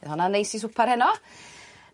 By' honna'n neis i swpar heno.